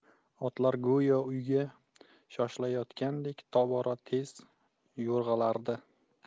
otlar go'yo uyga shoshilayotgandek tobora tez yo'rg'alardi